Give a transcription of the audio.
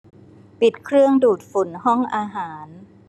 ปิดเครื่องดูดฝุ่นห้องอาหาร